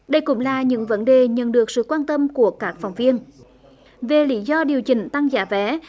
đây cũng là những vấn đề nhận được sự quan tâm của các phóng viên về lý do điều chỉnh tăng giá vé